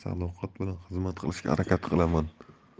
sarflab sadoqat bilan xizmat qilishga harakat qilaman